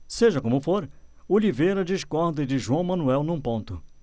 seja como for oliveira discorda de joão manuel num ponto